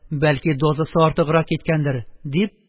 Бәлки, дозасы артыграк киткәндер, – дип,